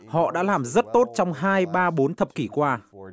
họ đã làm rất tốt trong hai ba bốn thập kỷ qua